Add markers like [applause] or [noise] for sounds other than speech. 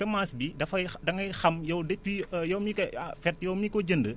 semence bi dafay da ngay xam yow depuis [hesitation] yow mi ko en fait yow mi ko jënd